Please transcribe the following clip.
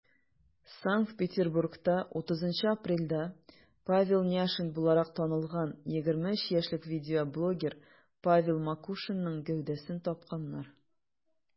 Санкт-Петербургта 30 апрельдә Павел Няшин буларак танылган 23 яшьлек видеоблогер Павел Макушинның гәүдәсен тапканнар.